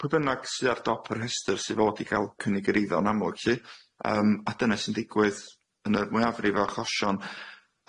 Pwy bynnag sy ar dop yr rhestyr sy fod i ga'l cynnig yr iddo yn amlwg lly yym a dyne sy'n digwydd yn y mwyafrif o achosion.